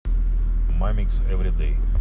мамикс эвридей